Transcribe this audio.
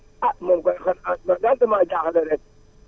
ah man kay xanaa man daal damaa jaaxle rek